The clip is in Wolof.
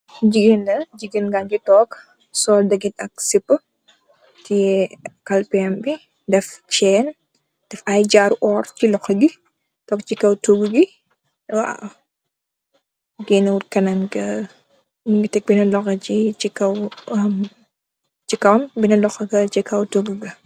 Jigeen la. Jigeen gua ngi tog, sol dagit ak sipau, teay kalpeh yam bi, def chain, def ay jaaru orr chi loho gui. Tog si kaw togo gui. Waaw! Geney wut kanam ngua. Mungi tek bena loho chi kawam, bena loho ngua chi kaw togo gua.